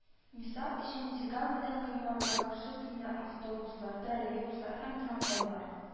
Мисал өчен, декабрьдән гыйнварга каршы төндә автобуслар, троллейбуслар һәм трамвайлар